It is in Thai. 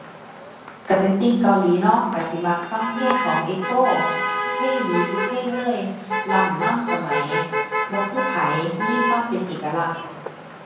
ก็เป็นติ่งเกาหลีเนาะ ก็สิมักฟังเพลงของ EXO เพลงดีซุเพลงเลย ล้ำนำสมัย บ่คือไผ มีความเป็นเอกลักษณ์